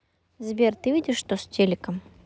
сбер ты видишь что с телеком